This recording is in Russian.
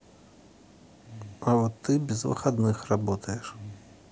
а вот ты без выходных работаешь